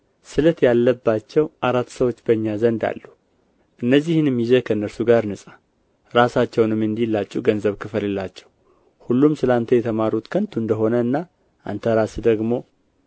ስለት ያለባቸው አራት ሰዎች በእኛ ዘንድ አሉ እነዚህንም ይዘህ ከእነርሱ ጋር ንጻ ራሳቸውንም እንዲላጩ ገንዘብ ክፈልላቸው ሁሉም ስለ አንተ የተማሩት ከንቱ እንደ ሆነና አንተ ራስህ ደግሞ